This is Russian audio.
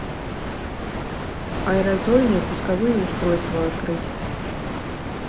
аэрозольные пусковые устройства открыть